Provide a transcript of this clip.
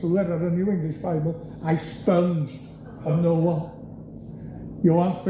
sylwer yn yr New English Bible, I sponged of no one.